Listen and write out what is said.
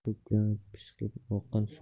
ko'piklanib pishqirib oqqan suv